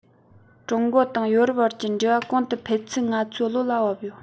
ཀྲུང གོ དང ཡོ རོབ བར གྱི འབྲེལ བ གོང དུ འཕེལ ཚུལ ང ཚོའི བློ ལ བབ ཡོད